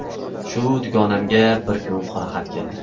shu dugonamga bir kun qoraxat keldi